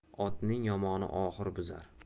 otning yomoni oxur buzar